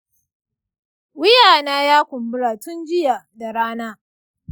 wuyana ya kumbura tun jiya da rana.